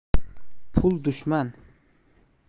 pul dushman